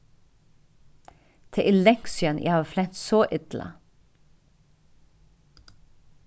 tað er langt síðani eg havi flent so illa